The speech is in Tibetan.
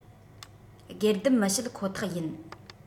སྒེར སྡེམ མི བྱེད ཁོ ཐག ཡིན